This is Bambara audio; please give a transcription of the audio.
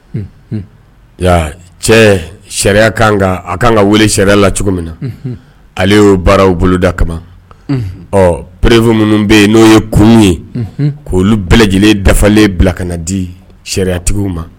Cɛ sariya kan ka weele sariya la cogo min na ale'o baaraw boloda kama ɔ pererep minnu bɛ yen n'o ye kurun ye k'olu bɛɛ lajɛlen dafalen bila ka di sariyatigiw ma